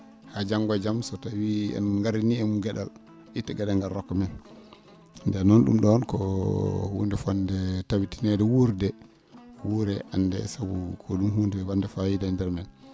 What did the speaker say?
haa janngo e jam so tawii en ngaranii heen ge?al itta ge?al ngal rokka men nden noon ?um ?oon ko huunde fotnde tabitineede wuurdee wuuree anndee sabu ko ?um huunde wa?nde fayida e ndeer men